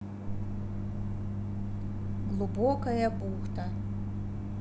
глубокая бухта